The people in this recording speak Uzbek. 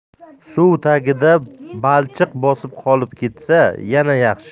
suv tagida balchiq bosib qolib ketsa yana yaxshi